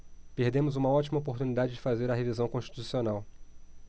perdemos uma ótima oportunidade de fazer a revisão constitucional